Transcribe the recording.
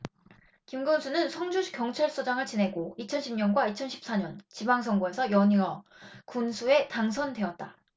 김 군수는 성주경찰서장을 지내고 이천 십 년과 이천 십 사 년 지방선거에서 연이어 군수에 당선됐다